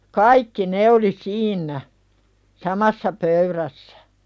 kaikki ne oli siinä samassa pöydässä